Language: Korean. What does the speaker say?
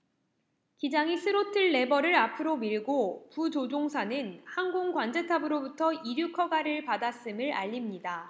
기장이 스로틀 레버를 앞으로 밀고 부조종사는 항공 관제탑으로부터 이륙 허가를 받았음을 알립니다